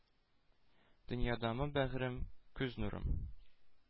Дөньядамы бәгърем, күз нурым